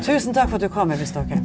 tusen takk for at du kom Øyvind Stokke.